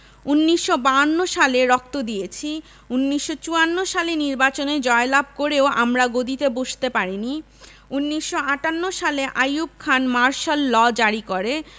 ১৯৫২ সালে রক্ত দিয়েছি ১৯৫৪ সালে নির্বাচনে জয় লাভ করেও আমরা গদিতে বসতে পারিনি ১৯৫৮ সালে আইয়ুব খান মার্শাল ল জারি করে